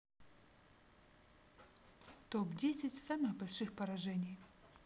топ десять самых больших поражений